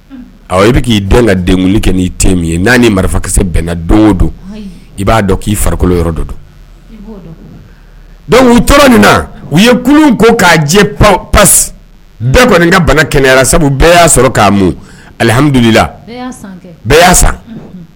I k'i dɔn ka denkun kɛ n' te ye n' marifakisɛ bɛnna don o don i b'a dɔn k'i farikolo don don u tora min na u ye kunun ko k'a jɛ pan pa bɛɛ kɔni ka bana kɛnɛyara sabu bɛɛ y'a sɔrɔ k'amu alihammidula y'